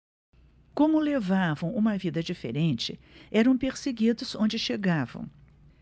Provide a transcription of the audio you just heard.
como levavam uma vida diferente eram perseguidos onde chegavam